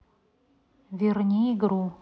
верни игру